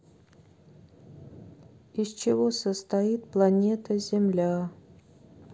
из чего состоит планета земля